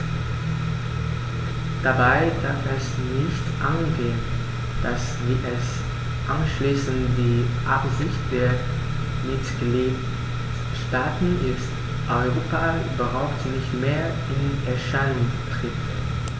Dabei darf es nicht angehen, dass - wie es anscheinend die Absicht der Mitgliedsstaaten ist - Europa überhaupt nicht mehr in Erscheinung tritt.